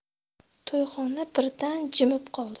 to'yxona birdan jimib qoldi